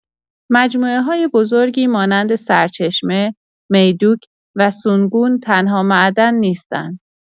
مجموعه‌های بزرگی مانند سرچشمه، میدوک و سونگون تنها معدن نیستند؛